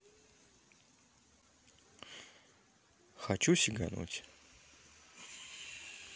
хочу сигануть